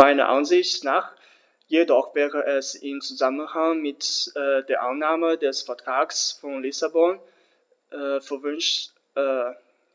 Meiner Ansicht nach jedoch wäre es im Zusammenhang mit der Annahme des Vertrags von Lissabon